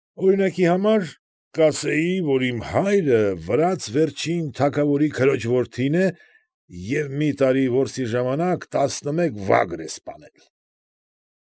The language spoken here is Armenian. Օրինակի համար, կասեի, որ իմ հոր հայրը վրաց վերջին թագավորի քրոջ որդին է և մի տարի որսի ժամանակ տասնումեկ վագր է սպանել։